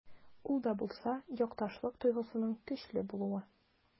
Ул да булса— якташлык тойгысының көчле булуы.